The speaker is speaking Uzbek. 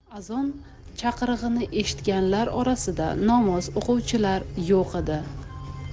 azon chaqirig'ini eshitganlar orasida namoz o'qig'uvchilar yo'q edi